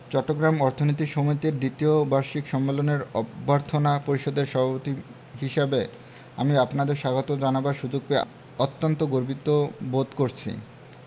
চট্টগ্রাম অর্থনীতি সমিতির দ্বিতীয় বার্ষিক সম্মেলনের অভ্যর্থনা পরিষদের সভাপতি হিসেবে আমি আপনাদের স্বাগত জানাবার সুযোগ পেয়ে অত্যন্ত গর্বিত বোধ করছি